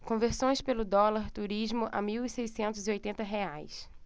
conversões pelo dólar turismo a mil seiscentos e oitenta reais